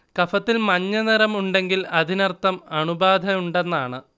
കഫത്തിൽ മഞ്ഞനിറം ഉണ്ടെങ്കിൽ അതിനർഥം അണുബാധ ഉണ്ടെന്നാണ്